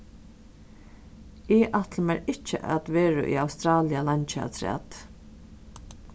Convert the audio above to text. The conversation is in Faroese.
eg ætli mær ikki at vera í australia leingi aftrat